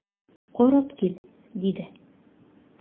Карап кил,– диде.